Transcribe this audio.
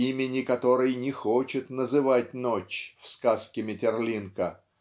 имени которой не хочет называть Ночь в сказке Метерлинка